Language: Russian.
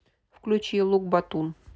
включи лук батун